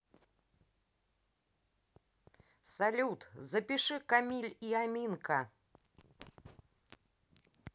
салют запиши камиль и аминка